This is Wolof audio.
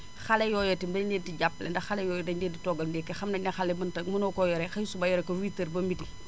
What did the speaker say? xale yooya itam dañ leen di jàppale ndax xale yooyu dañ leen di toggal ndéki xam nañ ne xale mënta mënoo koo yore xëy suba yore ko 8H ba midi